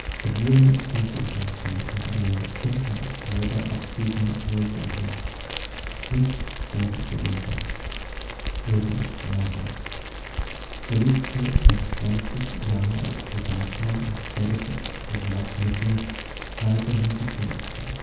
Regieren konnte ich nicht mehr, und einen Unterschreiber abgeben wollte ich nicht. Nicht Sklave zu werden, wurde ich Freiherr. “Er lebte noch 20 Jahre als Privatmann und förderte aus Privatmitteln weiterhin die Künste